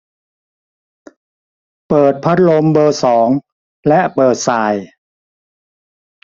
เปิดพัดลมเบอร์สองและเปิดส่าย